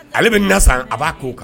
Ale bɛ na san a b'a ko kan